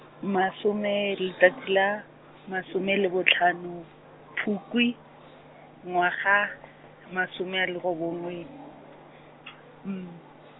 masome letsatsi la, masome le botlhano, Phukwi, ngwaga , masome a le robongwe .